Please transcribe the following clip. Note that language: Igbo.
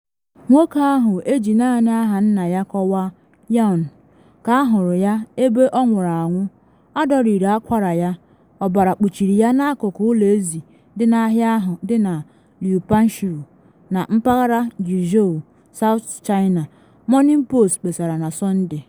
Nwoke ahụ, eji naanị aha nna ya kọwaa “Yaun,” ka ahụrụ ya ebe ọ nwụrụ anwụ, adọrịrị akwara ya, ọbara kpuchiri ya n’akụkụ ụlọ ezi dị n’ahịa ahụ dị na Liupanshui na mpaghara Guizhou, South China Morning Post kpesara na Sọnde.